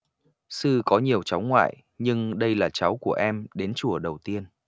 sư có nhiều cháu ngoại nhưng đây là cháu của em đến chùa đầu tiên